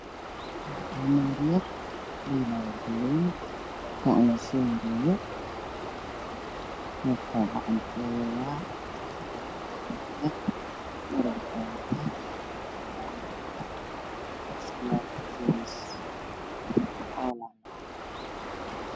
Waa ilmo waxa ay ku fadhiyeen darbi caddaan waxay hayaan banooni basketball ah oo midafkiisa yahay qaxwi